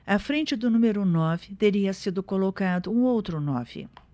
à frente do número nove teria sido colocado um outro nove